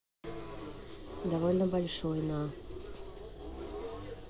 довольно большой на